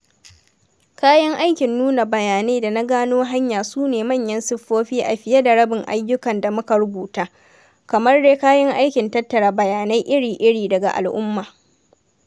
Kayan aikin nuna bayanai da na gano hanya sune manyan siffofi a fiye da rabin ayyukan da muka rubuta, kamar dai kayan aikin tattara bayanai iri-iri daga al’umma.